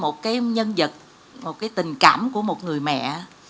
một cái nhân vật một cái tình cảm của một người mẹ